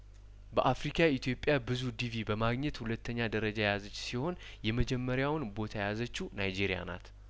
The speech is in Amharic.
በአፍሪካ ኢትዮጵያ ብዙ ዲቪ በማግኘት ሁለተኛ ደረጃ የያዘች ሲሆን የመጀመሪያውን ቦታ የያዘችው ናይጄሪያ ናት